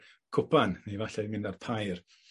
cwpan neu falle mynd â'r pair.